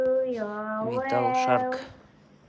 витал шарк